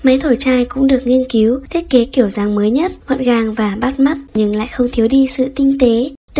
máy thổi chai cũng được nghiên cứu thiết kế kiểu dáng mới nhất gọn gàng và bắt mắt nhưng lại không thiếu đi sự tinh tế